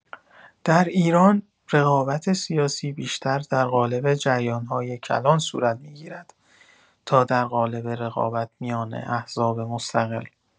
در ایران، رقابت سیاسی بیشتر در قالب جریان‌های کلان صورت می‌گیرد تا در قالب رقابت میان احزاب مستقل.